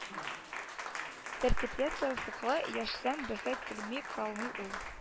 Тәртипле-тәүфыйклы яшәсәң бәхет килми калмый ул